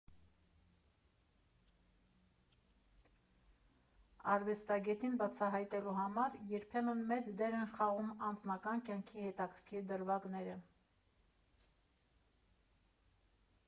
Արվեստագետին բացահայտելու համար երբեմն մեծ դեր են խաղում անձնական կյանքի հետաքրքիր դրվագները։